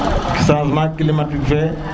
changement climatique fe